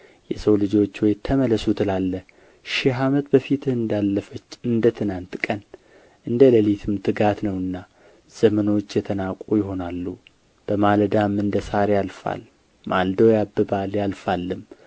የሰው ልጆች ሆይ ተመለሱ ትላለህ ሺህ ዓመት በፊትህ እንዳለፈች እንደ ትናንት ቀን እንደ ሌሊትም ትጋት ነውና ዘመኖች የተናቁ ይሆናሉ በማለዳም እንደ ሣር ያልፋል ማልዶ ያብባል ያልፋልም